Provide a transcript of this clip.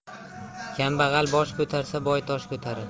kambag'al bosh ko'tarsa boy tosh ko'tarar